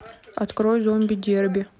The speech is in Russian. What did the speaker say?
открой зомби дерби